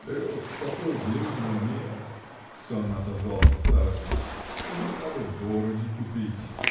— Веревки такой длинной нет, — сонно отозвался староста, — ужо надо в городе купить.